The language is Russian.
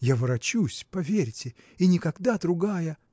я ворочусь, поверьте, и никогда другая.